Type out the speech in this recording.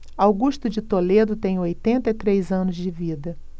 augusto de toledo tem oitenta e três anos de vida